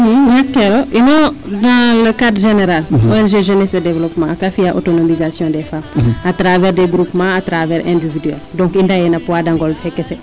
Ñakkeero inoo dans le cadre générale ONg Jeunesse et Développement kaa fi'aa autonomisation des femmes a travers des groupement a travers individuel donc i ndayee no poids d' angole fe soom